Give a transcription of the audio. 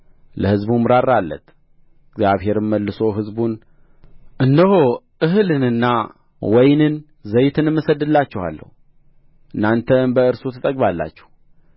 ለሕዝቡም ራራለት እግዚአብሔርም መልሶ ሕዝቡን እነሆ እህልንና ወይንን ዘይትንም እሰድድላችኋለሁ እናንተም በእርሱ ትጠግባላችሁ